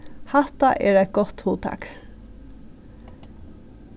hatta er eitt gott hugtak